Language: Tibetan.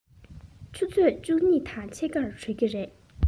ཆུ ཚོད བཅུ གཉིས དང ཕྱེད ཀར གྲོལ གྱི རེད